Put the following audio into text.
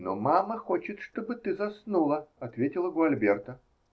-- Но мама хочет, чтобы ты заснула, -- ответила Гуальберта.